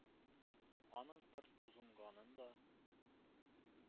Аның пыр тузынганын да,